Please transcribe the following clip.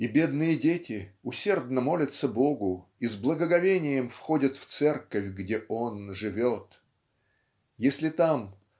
И бедные дети усердно молятся Богу и с благоговением входят в церковь где Он живет. Если там